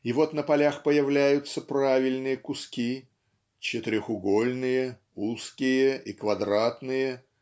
И вот на полях являются правильные куски "четырехугольные узкие и квадратные